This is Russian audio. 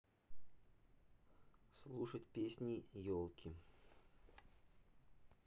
слушать песни елки